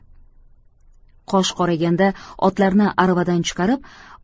qosh qorayganda otlarni aravadan chiqarib